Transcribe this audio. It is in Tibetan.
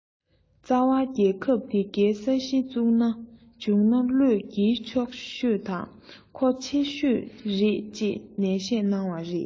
རྩ བ རྒྱལ ཁབ དེ གའི ས གཞིར ཚུགས ན བྱུང ན བློས འགེལ ཆོག ཤོས དང མཁོ ཆེ ཤོས རེད ཅེས ནན བཤད གནང བ རེད